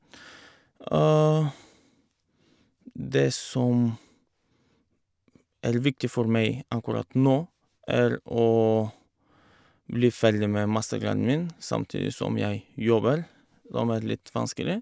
Og det som er viktig for meg akkurat nå, er å bli ferdig med mastergraden min, samtidig som jeg jobber, som er litt vanskelig.